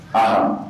Hɔn